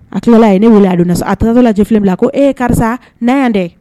A tun tilala ye ne weele a don a taaraz lajɛ lajɛlenle bila ko e ye karisa na yan dɛ